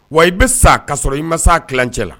Wa i bɛ sa ka sɔrɔ i mansa ticɛ la